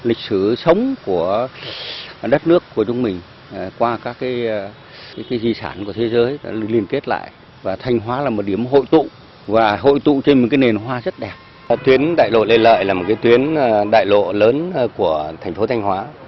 lịch sử sống của đất nước của chúng mình qua các cái cái di sản của thế giới đã liên kết lại và thanh hóa là một điểm hội tụ và hội tụ thêm một cái nền hoa rất đẹp hai tuyến đại lộ lê lợi là một cái tuyến là đại lộ lớn ở của thành phố thanh hóa